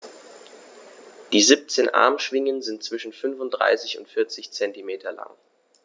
Die 17 Armschwingen sind zwischen 35 und 40 cm lang.